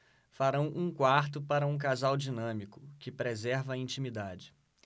farão um quarto para um casal dinâmico que preserva a intimidade